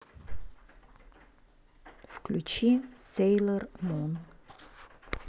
включи сейлор мун